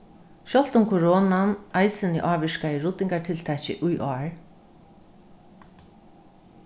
sjálvt um koronan eisini ávirkaði ruddingartiltakið í ár